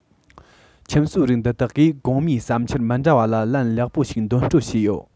ཁྱིམ གསོས རིགས འདི དག གིས གོང སྨྲས བསམ འཆར མི འདྲ བ ལ ལན ལེགས པོ ཞིག འདོན སྤྲོད བྱས ཡོད